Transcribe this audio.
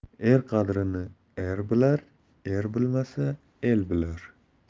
er qadrini er bilar er bilmasa el bilar